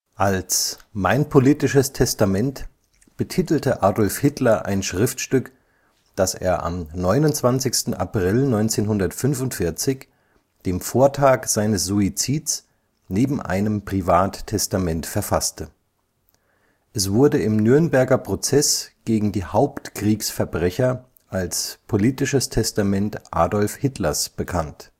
Als „ Mein politisches Testament “betitelte Adolf Hitler ein Schriftstück, das er am 29. April 1945, dem Vortag seines Suizids, neben einem Privattestament verfasste. Es wurde im Nürnberger Prozess gegen die Hauptkriegsverbrecher als Politisches Testament Adolf Hitlers bekannt